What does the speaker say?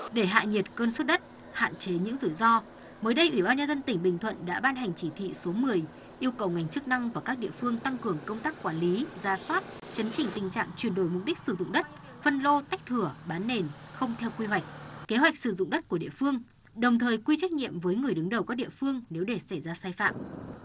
để hạ nhiệt cơn sốt đất hạn chế những rủi ro mới đây ủy ban nhân dân tỉnh bình thuận đã ban hành chỉ thị số mười yêu cầu ngành chức năng và các địa phương tăng cường công tác quản lý rà soát chấn chỉnh tình trạng chuyển đổi mục đích sử dụng đất phân lô tách thửa bán nền không theo quy hoạch kế hoạch sử dụng đất của địa phương đồng thời quy trách nhiệm với người đứng đầu các địa phương nếu để xảy ra sai phạm